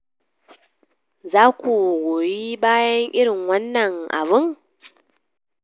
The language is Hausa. "Za ku goyi bayan irin wannan abun?